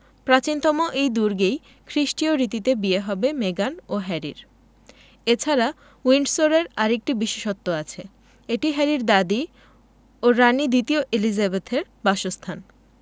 প্রাচীনতম এই দুর্গেই খ্রিষ্টীয় রীতিতে বিয়ে হবে মেগান ও হ্যারির এ ছাড়া উইন্ডসরের আরেকটি বিশেষত্ব আছে এটি হ্যারির দাদি ও রানি দ্বিতীয় এলিজাবেথের বাসস্থান